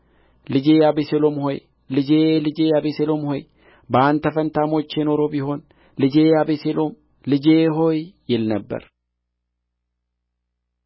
ልጄ አቤሴሎም ሆይ ልጄ ልጄ አቤሴሎም ሆይ በአንተ ፋንታ ሞቼ ኖሮ ቢሆን ልጄ አቤሴሎም ልጄ ሆይ ይል ነበር